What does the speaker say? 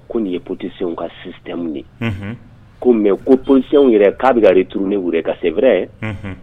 Ko nin ye posiw ka sisan ye ko mɛ ko psiw yɛrɛ k'a bɛ kare turuun ne wɛrɛ ka seɛrɛ ye